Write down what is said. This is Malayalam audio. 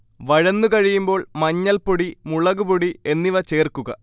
വഴന്നു കഴിയുമ്പോൾ മഞ്ഞൾപ്പൊടി, മുളക്പൊടി എന്നിവ ചേർക്കുക